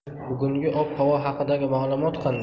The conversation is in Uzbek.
bugungi ob havo haqidagi ma'lumot qanday